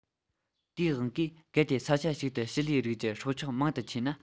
དེའི དབང གིས གལ ཏེ ས ཆ ཞིག ཏུ བྱི ལའི རིགས ཀྱི སྲོག ཆགས མང དུ མཆིས ན